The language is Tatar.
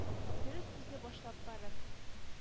Дөрес үзе башлап барып